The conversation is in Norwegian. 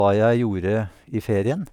Hva jeg gjorde i ferien.